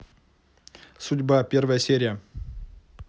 судьба первая серия